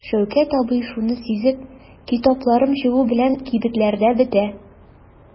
Шәүкәт абый шуны сизеп: "Китапларым чыгу белән кибетләрдә бетә".